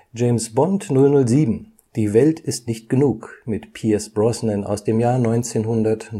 James Bond 007 – Die Welt ist nicht genug mit Pierce Brosnan (1999